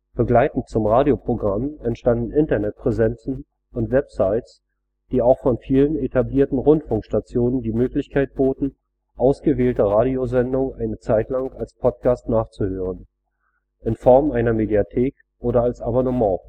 Begleitend zum Radioprogramm entstanden Internetpräsenzen und Websites, die auch von vielen etablierten Rundfunkstationen die Möglichkeit boten, ausgewählte Radiosendungen eine zeitlang als Podcast nachzuhören, in Form einer Mediathek oder als Abonnent